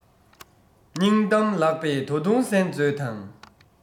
སྙིང གཏམ ལགས པས ད དུང གསན མཛོད དང